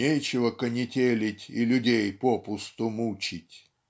нечего канителить и людей попусту мучить".